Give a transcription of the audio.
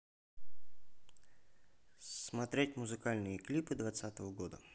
смотреть музыкальные клипы двадцатого года